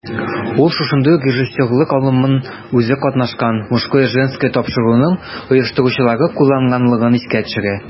Ул шушындый ук режиссерлык алымын үзе катнашкан "Мужское/Женское" тапшыруының оештыручылары кулланганлыгын искә төшерә.